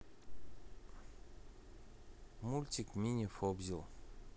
мультик мини фобзил